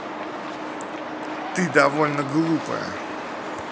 ты довольно глупая